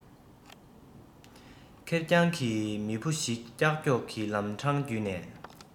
ཁེར རྐྱང གི མི བུ ཞིག ཀྱག ཀྱོག གི ལམ འཕྲང རྒྱུད ནས